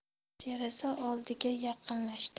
deraza oldiga yaqinlashdi